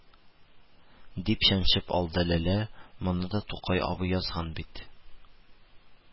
Дип чәнчеп алды ләлә: – моны да тукай абый язган бит,